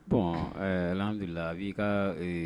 Tɔn wulila a bi'i ka